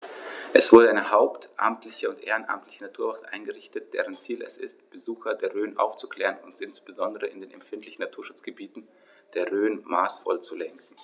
Es wurde eine hauptamtliche und ehrenamtliche Naturwacht eingerichtet, deren Ziel es ist, Besucher der Rhön aufzuklären und insbesondere in den empfindlichen Naturschutzgebieten der Rhön maßvoll zu lenken.